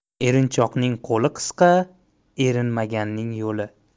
erinchoqning qo'li qisqa erinmaganning yo'li